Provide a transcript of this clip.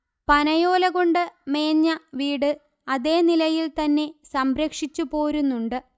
പനയോലകൊണ്ട് മേഞ്ഞ വീട് അതേ നിലയിൽ തന്നെ സംരക്ഷിച്ചുപോരുന്നുണ്ട്